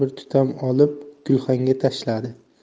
bir tutam olib gulxanga tashladi